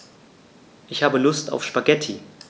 Ich habe Lust auf Spaghetti.